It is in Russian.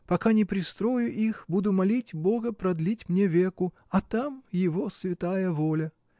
Пока не пристрою их, буду молить Бога продлить мне веку, а там — Его святая воля!